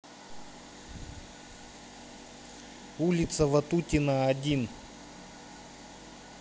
улица ватутина один